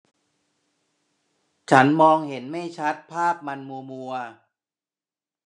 ฉันมองเห็นไม่ชัดภาพมันมัวมัว